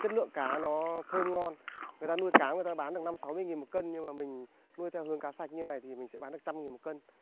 chất lượng cá nó thơm ngon người ta nuôi cá người ta bán được năm sáu mươi nghìn một cân nhưng mà mình nuôi theo hướng cá sạch như này thì mình sẽ bán được trăm nghìn một cân